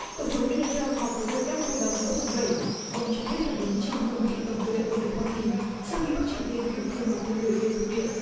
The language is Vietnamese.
tổng thống đô na troăm họp với nội các hôm ba mươi mốt tháng bảy ông cho biết phản ứng trong cương vị tổng tư lệnh quân đội hoa kỳ sau khi bắc triều tiên thử thêm một tên lửa liên lục địa